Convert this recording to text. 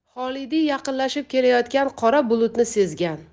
xolidiy yaqinlashib kelayotgan qora bulutni sezgan